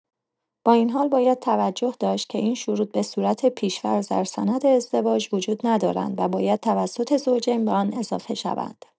با این‌حال، باید توجه داشت که این شروط به‌صورت پیش‌فرض در سند ازدواج وجود ندارند و باید توسط زوجین به آن اضافه شوند.